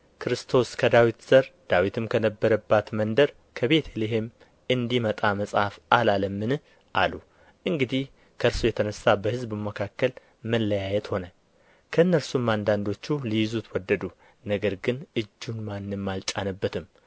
ክርስቶስ ከዳዊት ዘር ዳዊትም ከነበረባት መንደር ከቤተ ልሔም እንዲመጣ መጽሐፍ አላለምን አሉ እንግዲህ ከእርሱ የተነሣ በሕዝቡ መካከል መለያየት ሆነ ከእነርሱም አንዳንዶቹ ሊይዙት ወደዱ ነገር ግን እጁን ማንም አልጫነበትም